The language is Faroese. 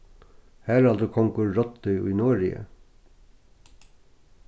haraldur kongur ráddi í noregi